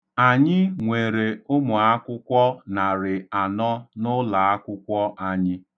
Anyị nwere ụmụakwụkwọ narị anọ n'ụlaakwụkwọ anyị.